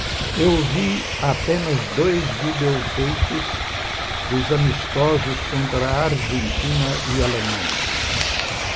eu vi apenas dois videoteipes dos amistosos contra argentina e alemanha